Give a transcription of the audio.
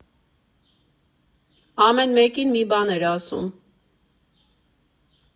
Ամեն մեկին մի բան էր ասում։